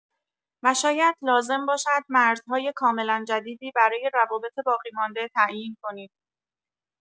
و شاید لازم باشد مرزهای کاملا جدیدی برای روابط باقی‌مانده تعیین کنید.